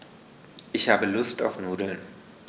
Ich habe Lust auf Nudeln.